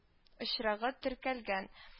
Очрагы теркәлгән